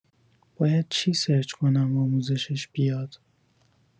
باید چی سرچ کنم آموزشش بیاد